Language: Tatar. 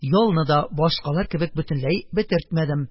Ялны да, башкалар кебек, бөтенләй бетертмәдем: